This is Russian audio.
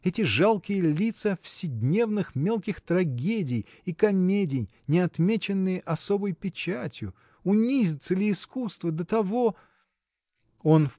– эти жалкие лица вседневных мелких трагедий и комедий не отмеченные особой печатью. унизится ли искусство до того?. Он